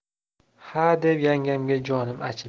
xa deb yangamga jonim achidi